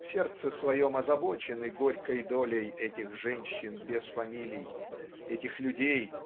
в сердце своем озабочены горькой долей этих женщин без фамилий этих людей